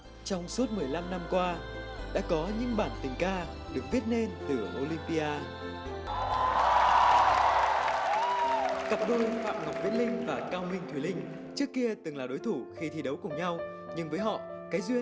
trong suốt mười lăm năm qua đã có những bản tình ca được viết nên từ ô lim pi a cặp đôi phạm ngọc viễn linh và cao minh thùy linh trước kia từng là đối thủ khi thi đấu cùng nhau nhưng với họ cái duyên